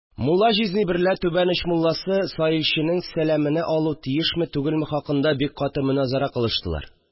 Мулла җизни берлә түбән оч мулласы саилченең сәламене алу тиешме-түгелме хакында бик каты моназарә кылыштылар